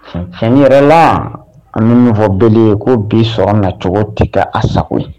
Tiɲɛ yɛrɛ la an bɛ min fɔb ye ko bi sɔrɔ nacogo tɛ kɛ a sago